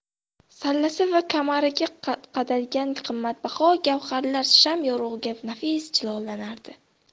sallasi va kamariga qadalgan qimmatbaho gavharlar sham yorug'ida nafis jilolanardi